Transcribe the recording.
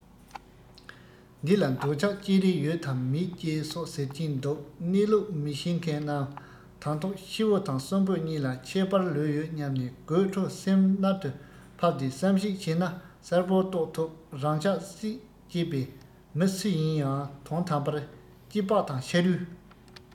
འདི ལ འདོད ཆགས སྐྱེ རིན ཡོད དམ མེད ཅེས སོགས ཟེར གྱིན འདུག གནས ལུགས མི ཤེས མཁན རྣམས དང ཐོག ཤི བོ དང གསོན པོ གཉིས ལ ཁྱད པར ལོས ཡོད སྙམ ནས དགོད བྲོ སེམས རྣལ དུ ཕབ སྟེ བསམ གཞིགས བྱས ན གསལ བོར རྟོགས ཐུབ རང ཆགས སྲེད སྐྱེས པའི མི སུ ཡིན ཡང དོན དམ པར སྐྱི པགས དང ཤ རུས